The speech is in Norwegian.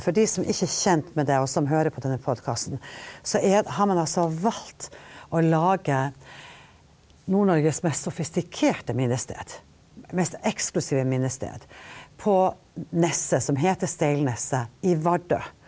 for de som ikke er kjent med det og som hører på denne podkasten, så er det har man altså valgt å lage Nord-Norges mest sofistikerte minnested, mest eksklusive minnested, på neset som heter Steilneset i Vardø.